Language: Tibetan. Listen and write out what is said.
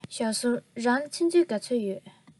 ཞའོ སུའུ རང ལ ཚིག མཛོད ག ཚོད ཡོད